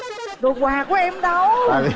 rồi quà của em đâu